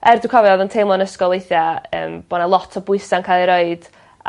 er dwi cofio odd o'n teimlo yn ysgol weithia' yym bo' 'na lot o bwysa'n ca'l ei roid